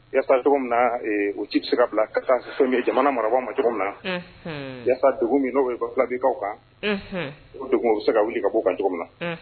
Yaasa cogo min na o ci bɛ se ka bila ka taa jamana marabagaw ma cogo min na yaasa dugu mino filabikaw kan o dugu bɛ se ka wuli ka'o kan cogo min na